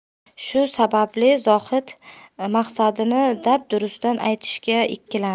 shu sababli zohid maqsadini dab durustdan aytishga ikkilandi